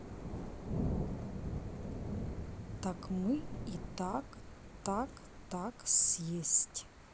так мы и так так так съесть